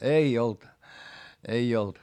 ei ollut ei ollut